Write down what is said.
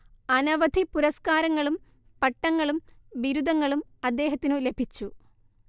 അനവധി പുരസ്കാരങ്ങളും പട്ടങ്ങളും ബിരുദങ്ങളും അദ്ദേഹത്തിനു ലഭിച്ചു